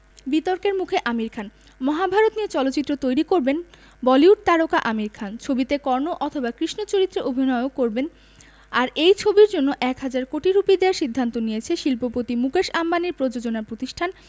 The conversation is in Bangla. বিতর্কের মুখে আমির খান মহাভারত নিয়ে চলচ্চিত্র তৈরি করবেন বলিউড তারকা আমির খান ছবিতে কর্ণ অথবা কৃষ্ণ চরিত্রে অভিনয়ও করবেন আর এই ছবির জন্য এক হাজার কোটি রুপি দেওয়ার সিদ্ধান্ত নিয়েছে শিল্পপতি মুকেশ আম্বানির প্রযোজনা প্রতিষ্ঠান